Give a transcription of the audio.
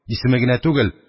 Исеме генә түгел,